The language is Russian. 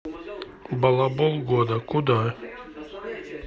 балабол года куда